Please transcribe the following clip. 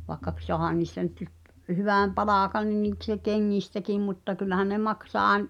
vaikka - saahan niistä nyt - hyvän palkan niin niikseen kengistäkin mutta kyllähän ne maksaa -